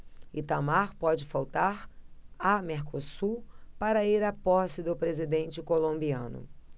itamar pode faltar a mercosul para ir à posse do presidente colombiano